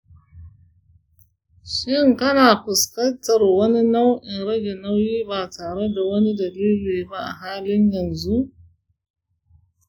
shin kana fuskantar wani nau'in rage nauyi ba tare da wani dalili ba a halin yanzu?